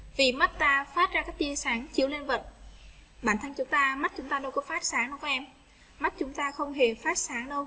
tìm massage phát ra các tia sáng chiếu lên vật bản thân chúng ta mất chúng ta đâu có phát sáng không mắt chúng ta không hề phát sáng đâu